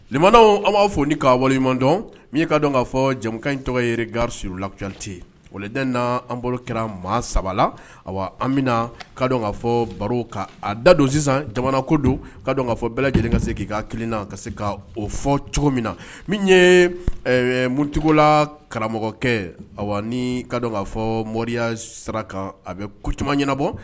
Li an b'a fɔ ni ka waleɲumandɔn min ka dɔn k kaa fɔ jamukan in tɔgɔ ye gari slacte o den n'an bolo kɛra maa saba a an bɛna ka kaa fɔ baro kaa da don sisan jamana ko don ka kaa fɔ bɛɛ lajɛlen ka se k ka kelenna ka se ka o fɔ cogo min na min ye mutigiwla karamɔgɔkɛ a ka k kaa fɔ mɔriya sara a bɛ ko caman ɲɛnabɔ